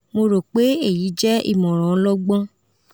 "Mo ro pe eyi jẹ imọran ọlọgbọn.